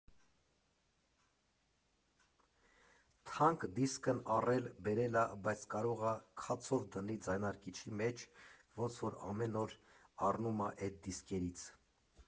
Թանկ դիսկն առել, բերել ա, բայց կարող ա քացով դնի ձայնարկիչի մեջ, ոնց որ ամեն օր առնում է էդ դիսկերից։